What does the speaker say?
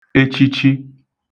echichi